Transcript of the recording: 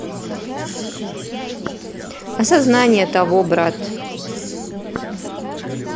осознание того брат